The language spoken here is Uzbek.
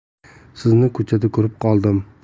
sizni ko'chada ko'rib qoldim